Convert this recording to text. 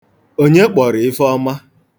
Onye kpọrọ Ifeọma?